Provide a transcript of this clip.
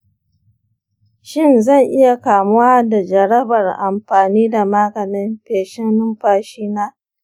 shin zan iya kamuwa da jarabar amfani da maganin feshin numfashi na